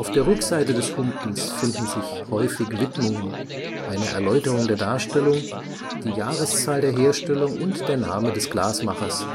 der Rückseite des Humpens finden sich häufig Widmungen, eine Erläuterung der Darstellung, die Jahreszahl der Herstellung und der Name des Glasmachers